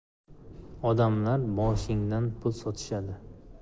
odamlar boshingdan pul sochishadi